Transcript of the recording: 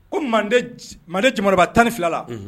Ko manden c jamanaba 12 la